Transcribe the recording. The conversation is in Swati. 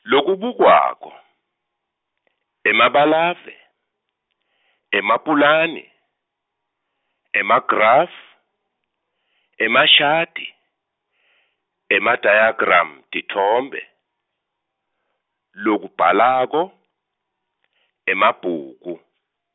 Lokubukwako, emabalave, Emapulani emagraf-, emashadi, emadayagram- titfombe, Lokubhalako, emabhuku.